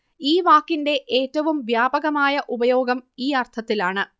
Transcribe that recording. ഈ വാക്കിന്റെ ഏറ്റവും വ്യാപകമായ ഉപയോഗം ഈ അർത്ഥത്തിലാണ്